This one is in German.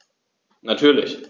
Natürlich.